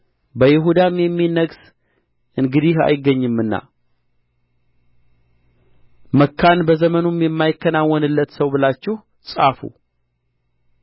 በይሁዳም የሚነግሥ እንግዲህ አይገኝምና መካን በዘመኑም የማይከናወንለት ሰው ብላችሁ ጻፉ